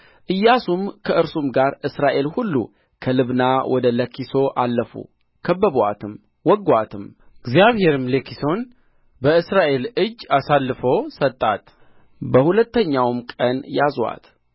ኢያሱም ከእርሱም ጋር እስራኤል ሁሉ ከልብና ወደ ለኪሶ አለፉ ከበቡአትም ወጉአትም እግዚአብሔርም ለኪሶን በእስራኤል እጅ አሳልፎ ሰጣት በሁለተኛውም ቀን ያዙአት